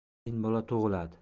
keyin bola tug'iladi